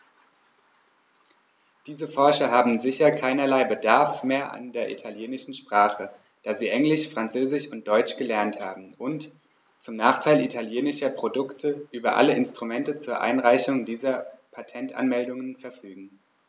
Diese Forscher haben sicher keinerlei Bedarf mehr an der italienischen Sprache, da sie Englisch, Französisch und Deutsch gelernt haben und, zum Nachteil italienischer Produkte, über alle Instrumente zur Einreichung dieser Patentanmeldungen verfügen.